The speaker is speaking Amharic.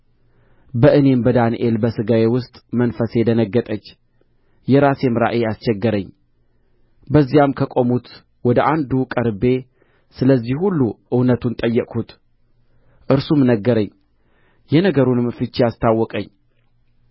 በእኔም በዳንኤል በሥጋዬ ውስጥ መንፈሴ ደነገጠች የራሴም ራእይ አስቸገረኝ በዚያም ከቆሙት ወደ አንዱ ቀርቤ ስለዚህ ሁሉ እውነቱን ጠየቅሁት እርሱም ነገረኝ የነገሩንም ፍቺ አስታወቀኝ